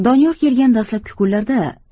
doniyor kelgan dastlabki kunlarda